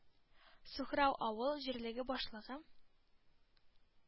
Сухрау авыл җирлеге башлыгы